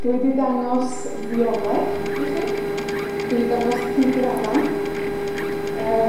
Dwi 'di dangos Fioled i chi, dwi 'di dangos Pig yr Aran. Yy.